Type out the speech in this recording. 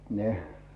niin